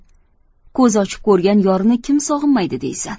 ko'z ochib ko'rgan yorini kim sog'inmaydi deysan